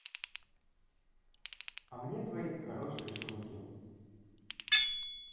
а мне твои хорошие шутки